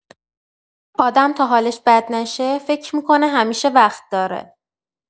آدم تا حالش بد نشه، فکر می‌کنه همیشه وقت داره.